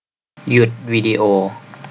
หยุดวีดีโอ